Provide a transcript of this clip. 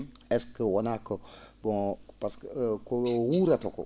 est ce que wonaa que bon par ce que ko wuurata ko